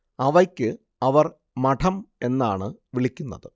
അവയ്ക്ക് അവർ മഠം എന്നാണ് വിളിക്കുന്നത്